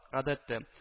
Гадәттә